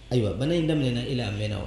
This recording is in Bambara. Ayiwa bana in daminɛ na i la, a mɛn na wa?